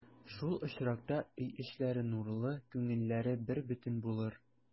Шул очракта өй эчләре нурлы, күңелләре бербөтен булыр.